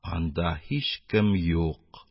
Анда һичкем юк,